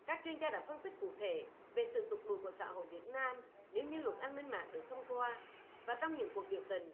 các chuyên gia đã phân tích cụ thể về sự tụt lùi của xã hội việt nam nếu như luật an ninh mạng được thông qua và trong những cuộc biểu tình